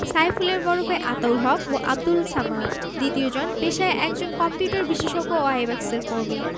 সাইফুলের বড় ভাই আতাউল হক ও আবদুল সামাদ দ্বিতীয়জন পেশায় একজন কম্পিউটার বিশেষজ্ঞ ও আইব্যাকসের কর্মী